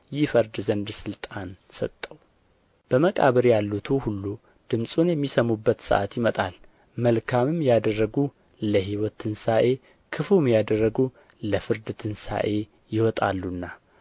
ይፈርድ ዘንድ ሥልጣን ሰጠው በመቃብር ያሉቱ ሁሉ ድምፁን የሚሰሙበት ሰዓት ይመጣል መልካምም ያደረጉ ለሕይወት ትንሣኤ ክፉም ያደረጉ ለፍርድ ትንሣኤ ይወጣሉና